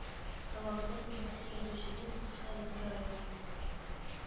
Талантлы, күренекле язучыбыз, Кушнаренко районы